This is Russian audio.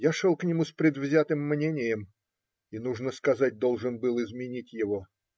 Я шел к нему с предвзятым мнением и, нужно сказать, должен был изменить его.